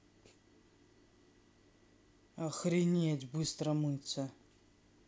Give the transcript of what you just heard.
охренеть быстро мыться